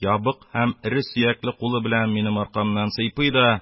Ябык һәм эре сөякле кулы белән минем аркамнан сыйпый да: -